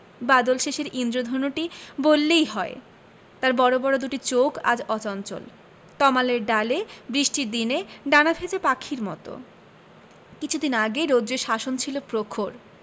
বাদলশেষের ঈন্দ্রধনুটি বললেই হয় তার বড় বড় দুটি চোখ আজ অচঞ্চল তমালের ডালে বৃষ্টির দিনে ডানা ভেজা পাখির মত কিছুদিন আগে রৌদ্রের শাসন ছিল প্রখর